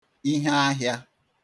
iheahịā